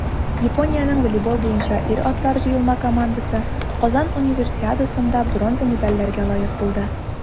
Япониянең волейбол буенча ир-атлар җыелма командасы Казан Универсиадасында бронза медальләргә лаек булды.